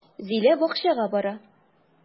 Зилә бакчага бара.